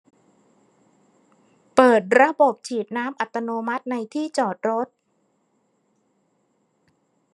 เปิดระบบฉีดน้ำอัตโนมัติในที่จอดรถ